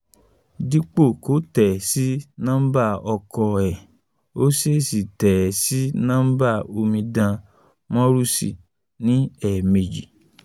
Dípò kó tẹ̀ ẹ́ sí nọ́ḿbà ọkọ ẹ̀, ó ṣèṣì tẹ̀ ẹ́ sí nọ́ḿbà Omidan Maurice ní èèmejì.